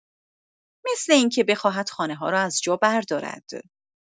مثل اینکه بخواهد خانه‌ها را از جا بردارد.